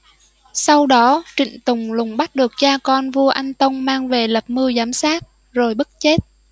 sau đó trịnh tùng lùng bắt được cha con vua anh tông mang về lập mưu giám sát rồi bức chết